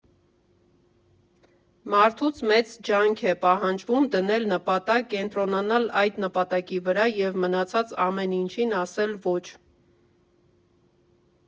Մարդուց մեծ ջանք է պահանջվում դնել նպատակ, կենտրոնանալ այդ նպատակի վրա և մնացած ամեն ինչին ասել՝ ոչ։